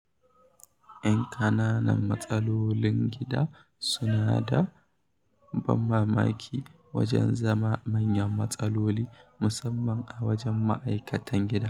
Yan ƙananan matsalolin gida suna da ban mamaki wajen zama manyan matsaloli - musamman a wajen masana'antun kiɗa.